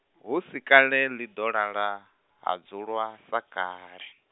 hu si kale ḽi ḓo lala, ha dzulwa, sa kale.